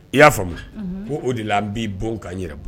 I y'a faamuya ko o de la n b'i bon 'à n yɛrɛ